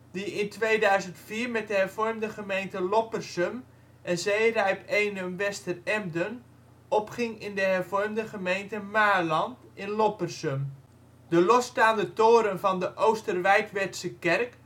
die in 2004 met de hervormde gemeenten Loppersum en Zeerijp-Eenum-Westeremden opging in de hervormde gemeente Maarland (Loppersum). De losstaande toren van de Oosterwijtwerdse kerk